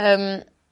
Yym.